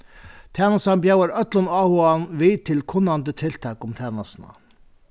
tænastan bjóðar øllum áhugaðum við til kunnandi tiltak um tænastuna